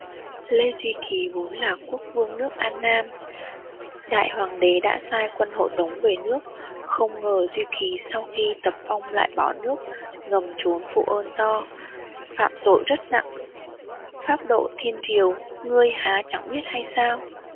lê duy kỳ vốn là quốc vương nước an nam đại hoàng đế đã sai quân hộ tống về nước không ngờ duy kỳ sau khi tập phong lại bỏ nước ngầm trốn phụ ơn to phạm tội rất nặng pháp độ thiên triều ngươi há chẳng biết hay sao